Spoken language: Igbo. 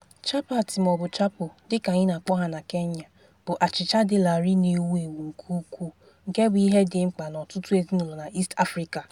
Chapati maọbụ "chapo" dịka anyị na-akpọ ha na Kenya, bụ achịcha dị larịị na-ewu ewu nke ukwuu nke bụ ihe dị mkpa n'ọtụtụ ezinaụlọ n'East Africa.